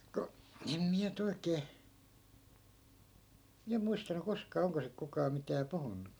kun en minä nyt oikein minä muistanut koskaan onko sitten kukaan mitään puhunut